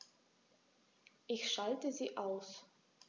Ich schalte sie aus.